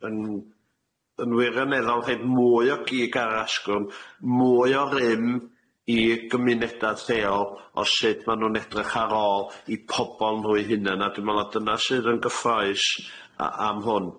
yn yn wirioneddol rhoi mwy o gig ar yr asgwrn mwy o rym i gymuneda lleol o sut ma' n'w'n edrych ar ôl 'i pobol nhw eu hunan a dwi me'wl na dyna sydd yn gyffrous a- am hwn.